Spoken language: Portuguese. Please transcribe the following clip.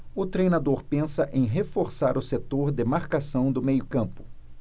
o treinador pensa em reforçar o setor de marcação do meio campo